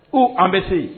Ko an bɛ se yen